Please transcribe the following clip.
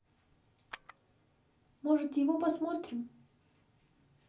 может его посмотрим